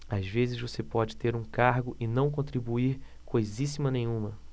às vezes você pode ter um cargo e não contribuir coisíssima nenhuma